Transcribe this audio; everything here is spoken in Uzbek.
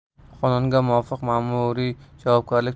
qonunga muvofiq ma'muriy javobgarlik